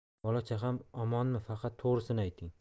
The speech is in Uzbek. bola chaqam omonmi faqat to'g'risini ayting